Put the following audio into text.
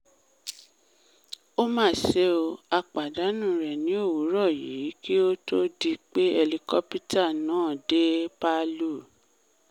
Ó mà ṣe o, a pàdánù rẹ̀ ní òwúrọ̀ yìí kí ó tó di pé hẹlikópítà náà dé Palu.